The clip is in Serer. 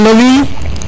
alo oui